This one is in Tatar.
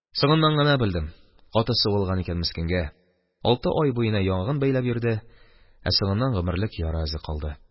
Соңыннан гына белдем, каты сугылган икән мескенгә, алты ай буена яңагын бәйләп йөрде, ә соңыннан гомерлек яра эзе калды.